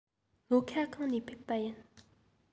ལྷོ ཁ གང ནས ཕེབས པ ཡིན